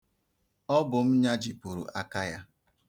Ọ bụ m nyajipụrụ aka ya.